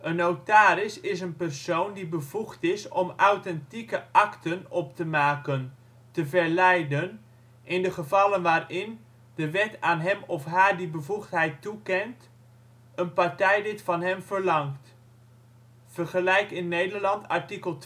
notaris is een persoon die bevoegd is om authentieke akten op te maken (' te verlijden ') in de gevallen waarin de wet aan hem of haar die bevoegdheid toekent een partij dit van hem verlangt (vergelijk in Nederland: artikel